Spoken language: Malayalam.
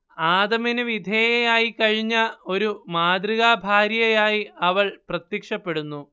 ആദമിനു വിധേയയായി കഴിഞ്ഞ ഒരു മാതൃകാഭാര്യയായി അവൾ പ്രത്യക്ഷപ്പെടുന്നു